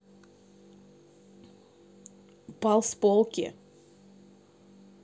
упал с полки